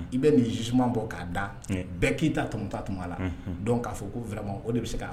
I bɛ ni jiumanuma bɔ k'a da bɛɛ k'ita t tatuma a la dɔn k'a fɔ ko vma o de bɛ se